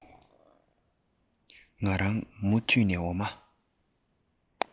ང རང མུ མཐུད ནས འོ མ